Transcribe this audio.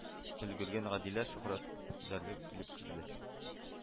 Өлгергән гадилә шөһрәтләргә килеп керде: